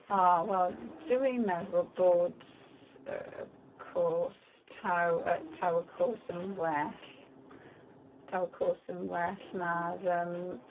O wel dwi'n meddwl bod yy course... taw y... taw y course yn well... taw y course yn well na'r yym...